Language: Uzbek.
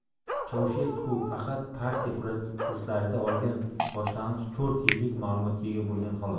chaushesku faqat partiya kurslarida olgan boshlang'ich to'rt yillik ma'lumotga ega bo'lgan xolos